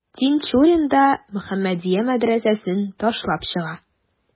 Тинчурин да «Мөхәммәдия» мәдрәсәсен ташлап чыга.